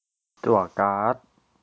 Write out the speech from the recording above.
จั่วการ์ด